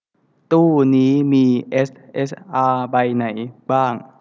ตู้นี้มีเอสเอสอาใบไหนบ้าง